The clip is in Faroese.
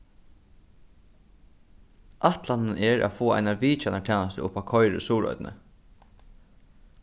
ætlanin er at fáa eina vitjanartænastu upp at koyra í suðuroynni